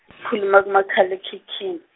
ngikhuluma ku makhalekhikhini.